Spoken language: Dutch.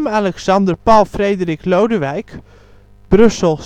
Alexander Paul Frederik Lodewijk (Brussel